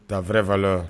Ta vraie valeur